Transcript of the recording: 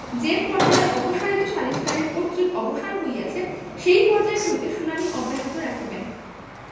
যে পর্যায়ে অপসারিত সালিসকারীর কর্তৃক্ব অবসান হইয়াছে সেই পর্যায় হইতে শুনানী অব্যাহত রাখিবেন